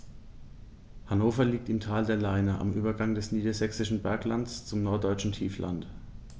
Hannover liegt im Tal der Leine am Übergang des Niedersächsischen Berglands zum Norddeutschen Tiefland.